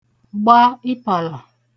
gba ipàlà